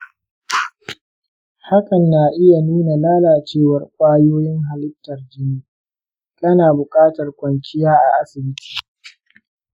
hakan na iya nuna lalacewar kwayoyin halittar jini; kana bukatar kwanciya a asibiti.